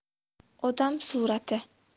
odam surati